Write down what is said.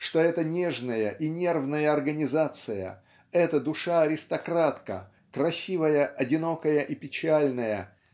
что эта нежная и нервная организация эта душа-аристократка красивая одинокая и печальная